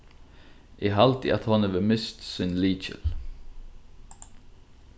eg haldi at hon hevur mist sín lykil